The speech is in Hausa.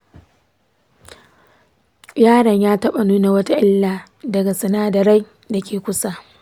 yaron ya taɓa nuna wata illa daga sinadarai da ke kusa?